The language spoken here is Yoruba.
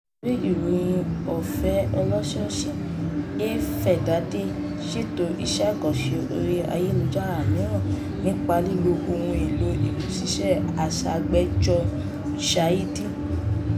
Ìwé ìròyìn ọ̀fẹ́ ọlọ́sọ̀ọ̀sẹ̀ A Verdade ṣètò iṣẹ́ àkànṣe orí ayélujára mìíràn, nípa lílo ohun èlò ìmúṣẹ́ṣe aṣàgbàjọ Ushaidi [pt].